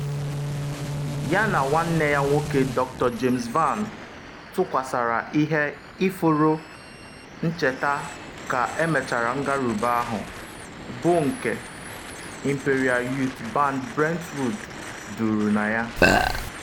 Ya na nwanne ya nwoke Dr James Vann tụkwasara ihe ifuru ncheta ka emechara ngarube ahụ, bụ nke Imperial Youth Band Brentwood duru na ya.